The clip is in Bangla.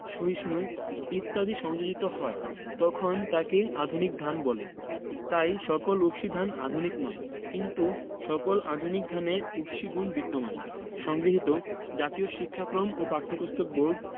সহিষ্ণু ইত্যাদি সংযোজিত হয় তখন তাকে আধুনিক ধান বলে তাই সকল উফশী ধান আধুনিক নয় কিন্তু সকল আধুনিক ধানে উফশী গুণ বিদ্যমান সংগৃহীত জাতীয় শিক্ষাক্রম ও পাঠ্যপুস্তক বোর্ড